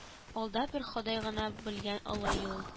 Алда бер ходай гына белгән олы юл